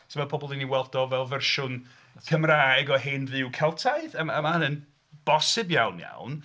So mae pobl yn ei weld o fel fersiwn Cymraeg o hen dduw Celtaidd. A mae... a mae hynny'n bosib iawn, iawn.